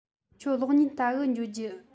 ཁྱོད གློག བརྙན ལྟ གི འགྱོ རྒྱུ